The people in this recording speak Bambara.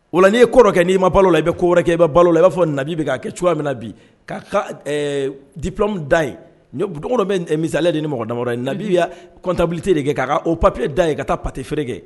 Wa n'i kɔrɔkɛ kɛ'i ba balo la a i bɛ koɔrɛ kɛ i bɛ balo la i b'a fɔ nabi bɛ'a kɛ cogoya min na bi dipme da ye bɛ misaali de ni mɔgɔ dama ye nabiya kɔntabilite de kɛ k' o p papi da ye ka taa papi feereereke kɛ